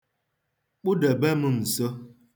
Kpụdebe m nso.